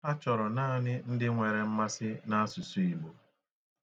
Ha chọrọ naanị ndị nwere mmasị n'asụsụ Igbo